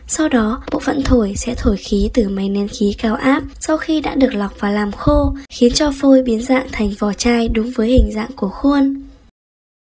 sau đó bộ phận thổi sẽ thổi khí từ máy nén khí cao áp sau khi đã được lọc và làm khô khiến cho phôi biến dạng thành vỏ chai đúng với hình dạng của khuôn